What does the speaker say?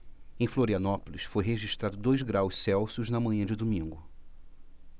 em florianópolis foi registrado dois graus celsius na manhã de domingo